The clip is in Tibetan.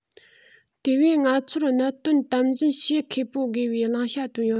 དེ བས ང ཚོར གནད དོན དམ འཛིན བྱེད མཁས པོ དགོས པའི བླང བྱ བཏོན ཡོད